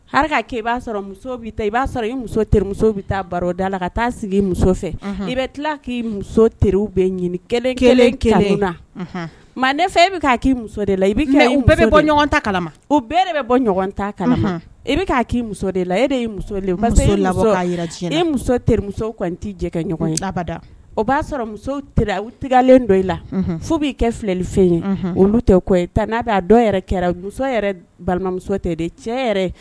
I'a sɔrɔ b'a sɔrɔ i muso teri bɛ taa baroda la ka taa sigi muso i bɛ tila k' muso teri bɛ kelen manden fɛ bɛ muso bɔ kala bɛɛ de bɔ ta kala i bɛ muso la e muso o b'a sɔrɔlen dɔ i la fo b'i kɛ filɛli fɛn ye olu tɛ n'amuso cɛ